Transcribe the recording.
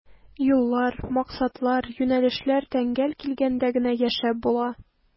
Юллар, максатлар, юнәлешләр тәңгәл килгәндә генә яшәп була.